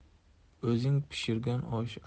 o'zing pishirgan osh